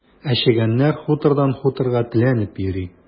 Ә чегәннәр хутордан хуторга теләнеп йөри.